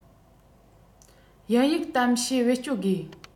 དབྱིན ཡིག གཏམ བཤད བེད སྤྱོད དགོས